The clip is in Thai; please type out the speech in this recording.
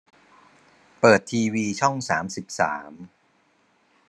เปิดทีวีช่องสามสิบสาม